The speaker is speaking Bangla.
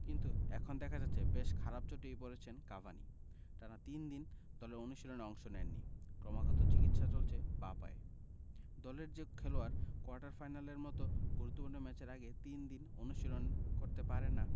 কিন্তু এখন দেখা যাচ্ছে বেশ খারাপ চোটেই পড়েছেন কাভানি টানা তিন দিন দলের অনুশীলনে অংশ নেননি ক্রমাগত চিকিৎসা চলছে বাঁ পায়ে দলের যে খেলোয়াড় কোয়ার্টার ফাইনালের মতো গুরুত্বপূর্ণ ম্যাচের আগে তিন দিন অনুশীলন করতে পারেন না